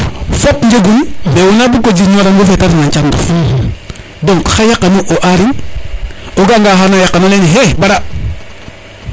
fop njegun mais wona buko njirño ran wofe te ref na carndof donc xa yaqanu o arin o ga a nga oxa na yaqan oxe bara